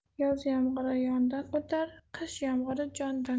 yoz yomg'iri yondan o'tar qish yomg'iri jondan